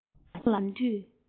ཀློང ལ འབྱམས དུས